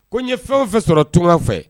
Ko n ye fɛnw fɛ sɔrɔ tunga fɛ